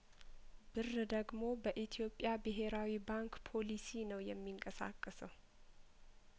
ብር ደግሞ በኢትዮጵያ ብሄራዊ ባንክ ፖሊሲ ነው የሚንቀሳቀሰው